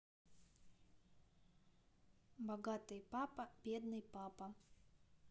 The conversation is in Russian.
богатый папа бедный папа